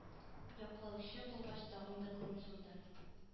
Яклаучы булгач тагын да күңел тулды